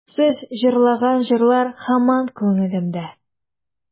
Сез җырлаган җырлар һаман күңелемдә.